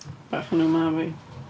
Bach yn umami.